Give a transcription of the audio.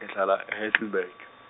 ngihlala e- Heildburg.